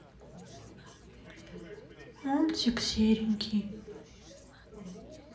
мультик серенький